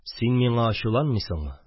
Син миңа ачуланмыйсыңмы